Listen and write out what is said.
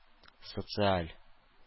Социаль